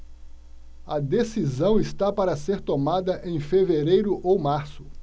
a decisão está para ser tomada em fevereiro ou março